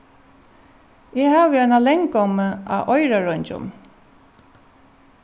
eg havi eina langommu á oyrareingjum